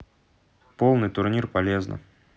полный турнир полезно